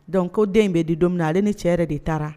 Donc ko den bɛ di don min na ale ni cɛ yɛrɛ de taara